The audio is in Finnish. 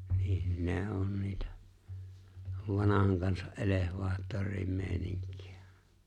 niin ne on niitä vanhan kansan elevaattorien meininki